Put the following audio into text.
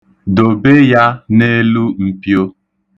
Dobe ya n'elu mpio.